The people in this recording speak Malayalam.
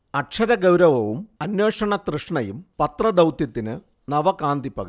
അക്ഷരഗൗരവവും അന്വേഷണ തൃഷ്ണയും പത്ര ദൗത്യത്തിന് നവകാന്തി പകരും